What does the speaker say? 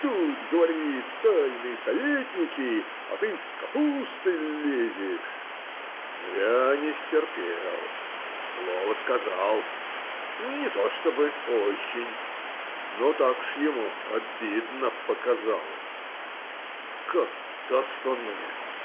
Тут, говорит, тайные советники, а ты с капустой лезешь!" Я не стерпел, слово сказал, не то чтобы очень, но так уж ему обидно показалось. Как даст он мне.